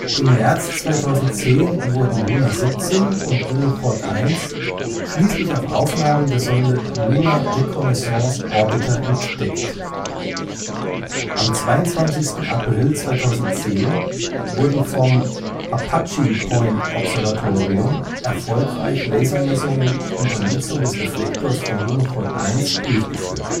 Im März 2010 wurden Luna 17 und Lunochod 1 schließlich auf Aufnahmen der Sonde Lunar Reconnaissance Orbiter entdeckt. Am 22. April 2010 wurden vom Apache-Point-Observatorium erfolgreich Lasermessungen unter Nutzung des Reflektors von Lunochod 1 durchgeführt